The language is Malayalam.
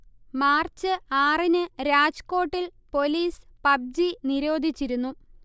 മാർച്ച് ആറിന് രാജ്കോട്ടിൽ പൊലീസ് പബ്ജി നിരോധിച്ചിരുന്നു